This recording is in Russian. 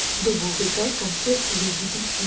дубовый гай концерт в риге дельфин